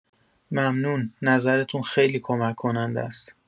ممنون، نظرتون خیلی کمک کنندست.